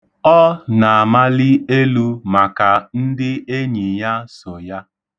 Ọ na-amalị elu maka ndị enyi ya so ya.